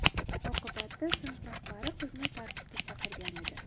oqibatda sinf rahbari qizni tartibga chaqirgan edi